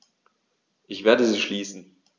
Ich werde sie schließen.